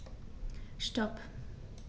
Stop.